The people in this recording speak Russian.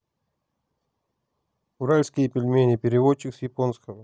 уральские пельмени переводчик с японского